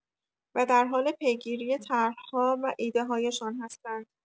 و در حال پیگیری طرح‌ها و ایده‌هایشان هستند.